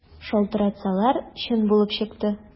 Шалтыратсалар, чын булып чыкты.